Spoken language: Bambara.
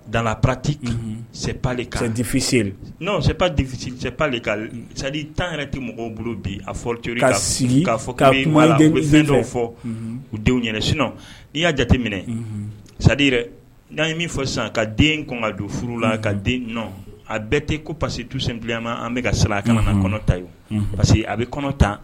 Dan parati sedifinseri no tan yɛrɛ tɛ mɔgɔw bolo bi a fɔ ka fɔ mali fɛn dɔw fɔ u denw ɲɛnasin n'i y'a jate minɛ sadi yɛrɛ n'a ye min fɔ sisan ka den kɔn ka don furu la ka den n nɔ nɔn a bɛɛ tɛ ko pa que tusenfiya ma an bɛka ka saya ka na kɔnɔta ye parce que a bɛ kɔnɔta